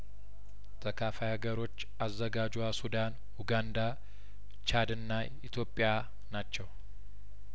ተካፋይ ሀገሮች አዘጋጅዋ ሱዳን ኡጋንዳ ቻድና ኢትዮጵያ ናቸው